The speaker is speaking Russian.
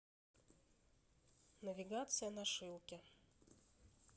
навигация на шилке